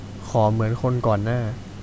ขอเหมือนคนก่อนหน้า